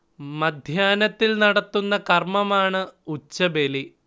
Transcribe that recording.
മധ്യാഹ്നത്തിൽ നടത്തുന്ന കർമമാണ് ഉച്ചബലി